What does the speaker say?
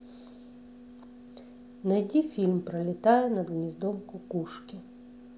найди фильм пролетая над гнездом кукушки